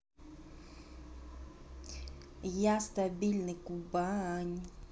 я стабильный кубань